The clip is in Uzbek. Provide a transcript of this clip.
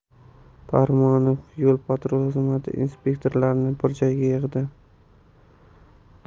parmonov yo patrul xizmati inspektorlarini bir joyga yig'di